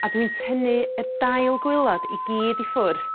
a dwi'n tynnu y dail gwaelod i gyd i ffwr'.